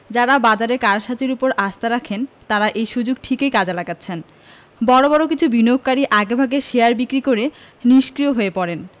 যাঁরা বাজারের কারসাজির ওপর আস্থা রাখেন তাঁরা এই সুযোগ ঠিকই কাজে লাগাচ্ছেন বড় বড় কিছু বিনিয়োগকারী আগেভাগে শেয়ার বিক্রি করে নিষ্ক্রিয় হয়ে পড়েন